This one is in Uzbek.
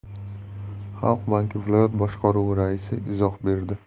xalq banki viloyat boshqaruvi raisi izoh berdi